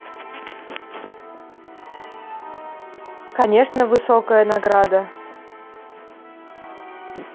конечно высокая награда